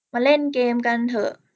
มาเล่นเกมส์กันเถอะ